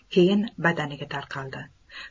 keyin badaniga tarqaldi